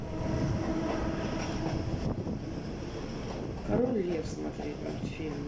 король лев смотреть мультфильм